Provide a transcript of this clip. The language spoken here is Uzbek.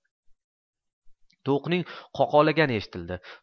tovuqning qa qolagani eshitildi